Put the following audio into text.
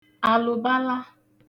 àlụ̀bala